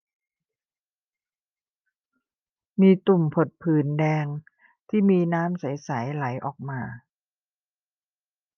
มีตุ่มผดผื่นแดงที่มีน้ำใสใสไหลออกมา